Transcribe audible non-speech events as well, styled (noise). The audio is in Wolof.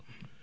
(hesitation) (hesitation)